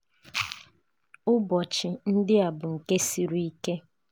Ụbọchị ndị a bụ nke siri ike.